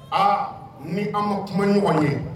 Aa ni an ma kuma ni ɲɔgɔn ye